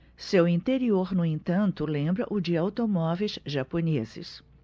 seu interior no entanto lembra o de automóveis japoneses